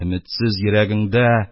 Өметсез йөрәгеңдә